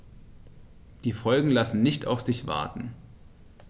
Die Folgen lassen nicht auf sich warten.